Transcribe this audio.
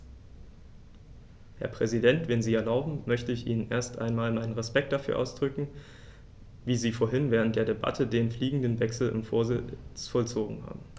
Herr Präsident, wenn Sie erlauben, möchte ich Ihnen erst einmal meinen Respekt dafür ausdrücken, wie Sie vorhin während der Debatte den fliegenden Wechsel im Vorsitz vollzogen haben.